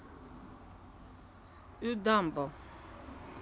у bamboo